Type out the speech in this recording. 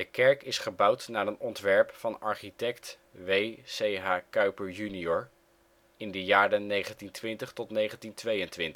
kerk is gebouwd naar een ontwerp van architect W. Ch. Kuijper jr in de jaren 1920 – 1922. De